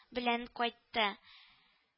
Белән кайтты